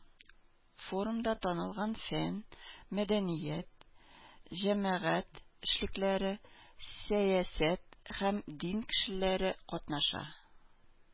Форумда танылган фән, мәдәният, җәмәгать эшлекләре, сәясәт һәм дин кешеләре катнаша.